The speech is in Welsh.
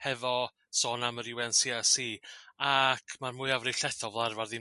hefo sôn am yr iw en si ar si ac ma'r mwyafrif llethol fel arfar ddim